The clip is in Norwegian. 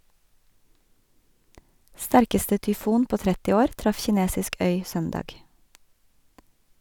Sterkeste tyfon på 30 år traff kinesisk øy søndag.